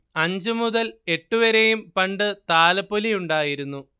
അഞ്ച് മുതൽ എട്ട് വരെയും പണ്ട് താലപ്പൊലി ഉണ്ടായിരുന്നു